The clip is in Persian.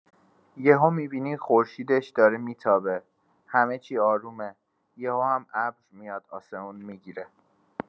یهو می‌بینی خورشیدش داره می‌تابه، همه چی آرومه، یهو هم ابر میاد، آسمون می‌گیره.